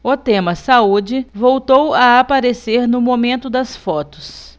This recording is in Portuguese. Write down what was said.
o tema saúde voltou a aparecer no momento das fotos